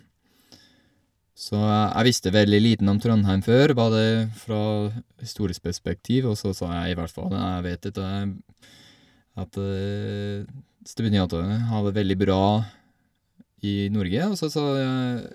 Nei, jeg vet at at studentene har det veldig bra i Norge, og så sa jeg: